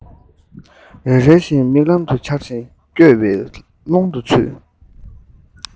རེ རེ བཞིན མིག ལམ དུ འཆར བཞིན འགྱོད པའི ཀློང དུ ཚུད